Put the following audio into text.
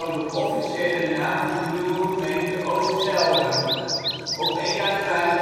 de officiële naam van de nieuwe gemeente Oost Gelre. Op 1 januari